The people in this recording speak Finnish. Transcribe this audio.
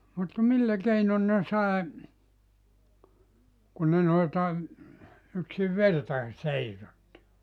mutta millä keinoin ne sai kun ne noilta yksin vertakin seisotti